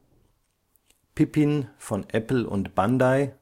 Pippin von Apple und Bandai